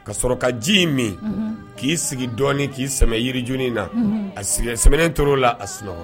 Ka sɔrɔ ka ji in min, unhun, k'i sigi dɔɔni , unhun, k'i sɛmɛ yirijunin na ,unhun, a sɛmɛnlen to la o la, a sunɔgɔ la